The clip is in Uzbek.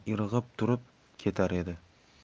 turib ketar edi